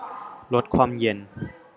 ลดความเย็น